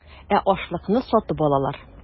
Ә ашлыкны сатып алалар.